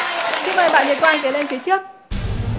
xin mời bạn nhật quang tiến lên phía trước